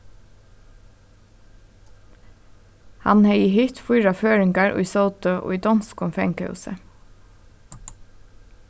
hann hevði hitt fýra føroyingar ið sótu í donskum fangahúsi